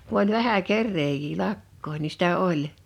kun oli vähän kerääjiä lakkojen niin sitä oli